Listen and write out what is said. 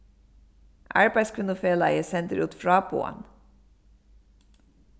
arbeiðskvinnufelagið sendir út fráboðan